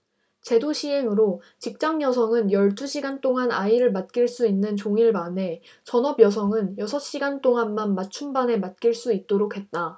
제도 시행으로 직장여성은 열 두 시간 동안 아이를 맡길 수 있는 종일반에 전업여성은 여섯 시간 동안만 맞춤반에 맡길 수 있도록 했다